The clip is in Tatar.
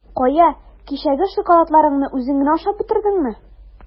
Кая, кичәге шоколадларыңны үзең генә ашап бетердеңме?